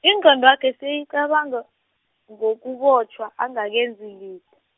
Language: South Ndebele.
ingqondwakhe seyicabanga ngokubotjhwa angakenzi lit-.